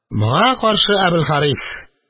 Моңа каршы Әбелхарис